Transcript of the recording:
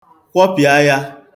Kwọpịa ya.